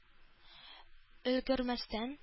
Өлгермәстән